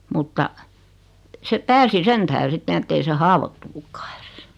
mutta se pääsi sen tähden sitten että ei se haavoittunutkaan edes